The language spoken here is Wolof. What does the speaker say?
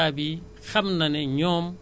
waaw baykat sàmmkat nappkat